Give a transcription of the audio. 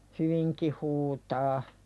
hyvinkin huutaa